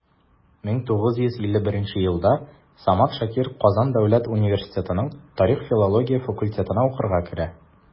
1951 елда самат шакир казан дәүләт университетының тарих-филология факультетына укырга керә.